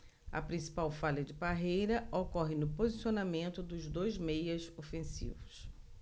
a principal falha de parreira ocorre no posicionamento dos dois meias ofensivos